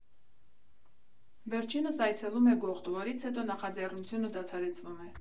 Վերջինս այցելում է Գողթ, որից հետո նախաձեռնությունը դադարեցվում է։